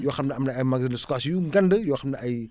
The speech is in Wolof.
yoo xam ne am na ay magasins de stockage yu ndand yoo xam ne ay